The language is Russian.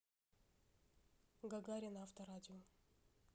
гагарина авторадио